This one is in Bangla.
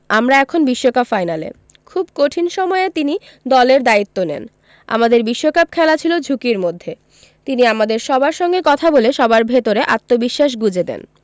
আমরা এখন বিশ্বকাপ ফাইনালে খুব কঠিন সময়ে তিনি দলের দায়িত্ব নেন আমাদের বিশ্বকাপ খেলা ছিল ঝুঁকির মধ্যে তিনি আমাদের সবার সঙ্গে কথা বলে সবার ভেতরে আত্মবিশ্বাস গুঁজে দেন